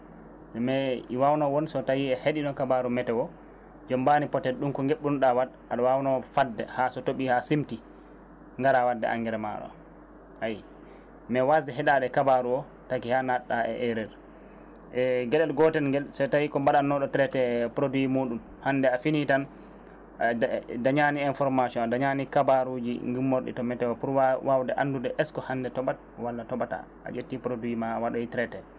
mais ɗi wawno woon so tawi a heeɗino kabaru météo jombani ɗum ko geɓɓunoɗa waat aɗa wawno fadde ha so tooɓi haa silti gara wadde engrais maɗa o ayi mais wasde heeɗade kabaru taagi ha natɗa e erreur e geɗel gotel ngel so tawi ko mbaɗannoɗo prété produit muɗum hannde a fiini tan a dañani information a dañani kabaruji gimmotoɗi to météo pour waw wawde anndude est ce que hannde tooɓat walla tooɓata a ƴetti produit ma a waɗoyi traité